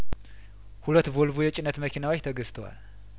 ሁለት ቮልቮ የጭነት መኪናዎች ተገዝተዋል